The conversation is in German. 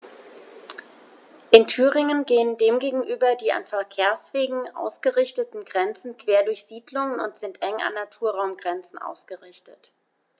In Thüringen gehen dem gegenüber die an Verkehrswegen ausgerichteten Grenzen quer durch Siedlungen und sind eng an Naturraumgrenzen ausgerichtet.